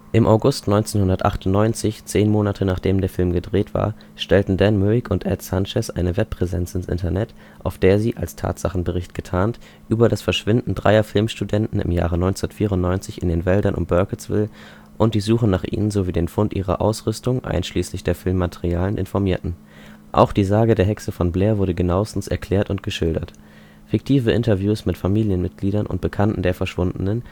Im August 1998, zehn Monate, nachdem der Film gedreht war, stellten Dan Myrick und Ed Sanchez eine Webpräsenz ins Internet, auf der sie – als Tatsachenbericht getarnt – über das Verschwinden dreier Filmstudenten im Jahre 1994 in den Wäldern um Burkittsville und die Suche nach ihnen sowie den Fund ihrer Ausrüstung – einschließlich der Filmmaterialien – informierten. Auch die Sage der Hexe von Blair wurde genauestens erklärt und geschildert. Fiktive Interviews mit Familienmitgliedern und Bekannten der Verschwundenen